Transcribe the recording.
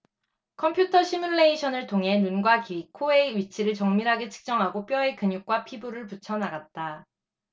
컴퓨터 시뮬레이션을 이용해 눈과 귀 코의 위치를 정밀하게 측정하고 뼈에 근육과 피부를 붙여 나갔다